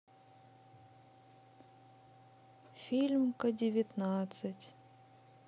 фильм ка девятнадцать